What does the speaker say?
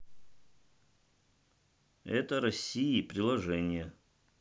это россии приложение